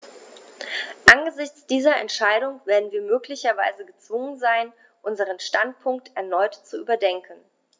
Angesichts dieser Entscheidung werden wir möglicherweise gezwungen sein, unseren Standpunkt erneut zu überdenken.